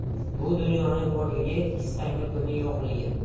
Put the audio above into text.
bu dunyoning xo'rligi kissangda pulning yo'qligi